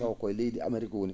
taw ko e leydi Amérique woni